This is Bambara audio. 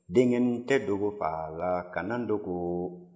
denkɛnin tɛ dogo a fa la kana dogo